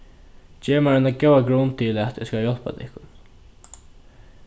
gev mær eina góða grund til at eg skal hjálpa tykkum